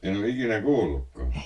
en ole ikinä kuullutkaan